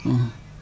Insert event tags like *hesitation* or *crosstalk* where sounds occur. *hesitation* *hesitation*